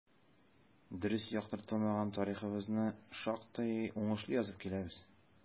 Дөрес яктыртылмаган тарихыбызны шактый уңышлы язып киләбез.